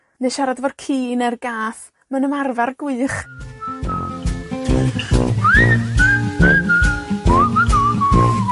ne' siarad efo'r ci ne'r gath. Ma'n ymarfar gwych!